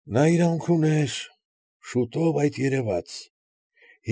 Նա իրավունք ուներ, շուտով այդ երևաց։